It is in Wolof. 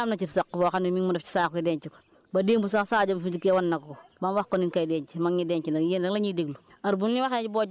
ndax parcelle bu ci ne am cib sàq boo xam ne mi ngi mu def ci saako yi denc ko ba démb sax Sadio bi fi dikkee wan na ko ko ba mu wax ko niñ koy dencee ma nga ñu denc nag